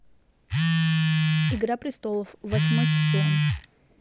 игра престолов восьмой сезон